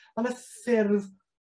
On' y ffurf